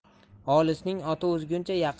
olisning oti o'zguncha